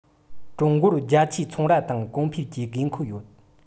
ཀྲུང གོར རྒྱ ཆེའི ཚོང ར དང གོང འཕེལ གྱི དགོས མཁོ ཡོད